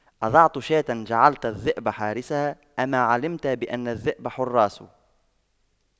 أضعت شاة جعلت الذئب حارسها أما علمت بأن الذئب حراس